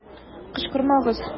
Кычкырмагыз!